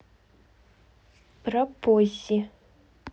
про поззи